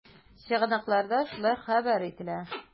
Чыганакларда шулай хәбәр ителә.